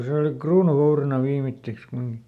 se oli kruununvoutina viimeiseksi kumminkin